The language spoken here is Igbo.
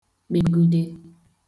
kpegude